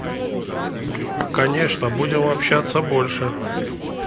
конечно будем общаться больше